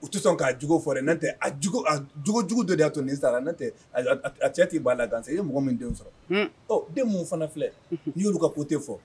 U ti sɔn k'a jugo fɔ dɛ nɔntɛ a jugo a j jugojugu dɔ de y'a to nin sara nɔntɛ a a t a cɛ t'i ban a la gansa i ye mɔgɔ min denw sɔrɔ hun ɔ den mun fana filɛ unhun i y'olu ka côté fɔ